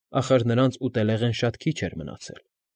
Ախր նրանց ուտելեղեն շատ քիչ էր մնացել։